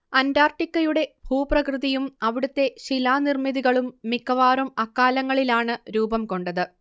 അന്റാർട്ടിക്കയുടെ ഭൂപ്രകൃതിയും അവിടുത്തെ ശിലാനിർമ്മിതികളും മിക്കവാറും അക്കാലങ്ങളിലാണ് രൂപം കൊണ്ടത്